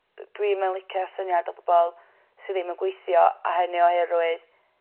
yy dwi'm yn licio syniad o bobol sy ddim yn gweithio a hynny oherwydd